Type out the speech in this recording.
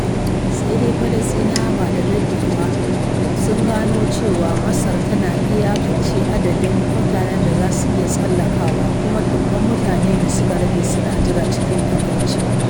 Har yanzu suna rayuwa ƙarƙashin rashin zirga-zirga da Isra’ila tasa, masu rubutun ra'ayi a Gaza suna fushi cewa ƴanncin zirga-zirga zuwa Masar da aka yi alkawarin ba'a cika ba.